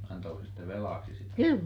antoiko se sitten velaksi sitä